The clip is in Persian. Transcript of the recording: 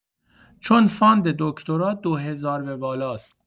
چون فاند دکتری ۲۰۰۰ به بالاس